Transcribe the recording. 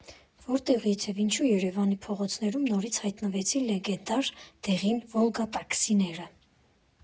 Որտեղից և ինչու Երևանի փողոցներում նորից հայտնվեցին լեգենդար դեղին վոլգա տաքսիները։